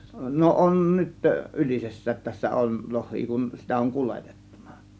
no on nyt Ylisessä tässä on lohia kun sitä on kuljetettu